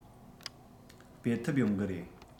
སྤེལ ཐུབ ཡོང གི རེད